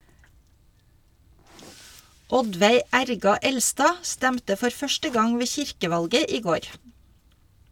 Oddveig Erga Elstad stemte for første gang ved kirkevalget i går.